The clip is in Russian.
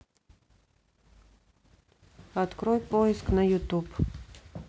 открой поиск на ютуб